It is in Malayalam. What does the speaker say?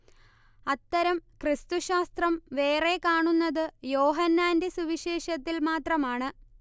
അത്തരം ക്രിസ്തുശാസ്ത്രം വേറെ കാണുന്നത് യോഹന്നാന്റെ സുവിശേഷത്തിൽ മാത്രമാണ്